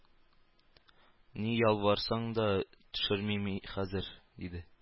Ни ялварсаң да төшермим хәзер! — диде.